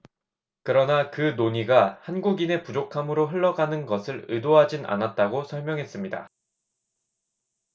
그러나 그 논의가 한국인의 부족함으로 흘러가는 것을 의도하진 않았다고 설명했습니다